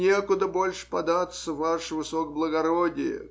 некуда больше податься, ваше высокоблагородие.